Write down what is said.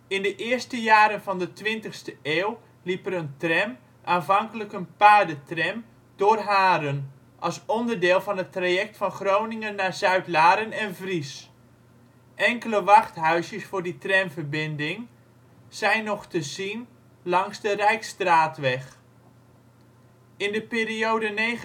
In de eerste jaren van de twintigste eeuw liep er een tram (aanvankelijk paardentram) door Haren, als onderdeel van het traject van Groningen naar Zuidlaren en Vries. Enkele wachthuisjes voor die tramverbinding zijn nog te zien langs de Rijksstraatweg. In de periode 1910-1935